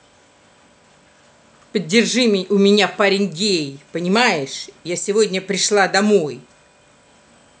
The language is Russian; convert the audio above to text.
поддержи у меня парень гей понимаешь я сегодня пришла домой